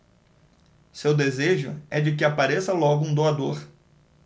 seu desejo é de que apareça logo um doador